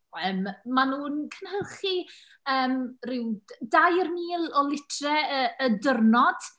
Yym, maen nhw'n cynhyrchu yym ryw dair mil o litrau yy y diwrnod.